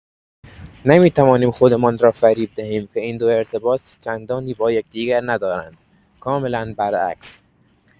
نمی‌توانیم خودمان را فریب دهیم که این دو ارتباط چندانی با یکدیگر ندارند، کاملا برعکس.